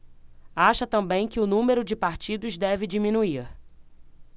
acha também que o número de partidos deve diminuir